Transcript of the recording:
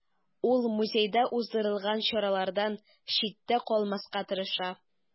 Ул музейда уздырылган чаралардан читтә калмаска тырыша.